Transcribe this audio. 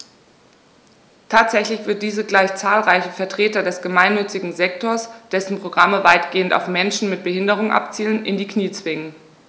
Tatsächlich wird dies gleich zahlreiche Vertreter des gemeinnützigen Sektors - dessen Programme weitgehend auf Menschen mit Behinderung abzielen - in die Knie zwingen.